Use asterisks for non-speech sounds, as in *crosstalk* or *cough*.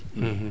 *hesitation* *hesitation*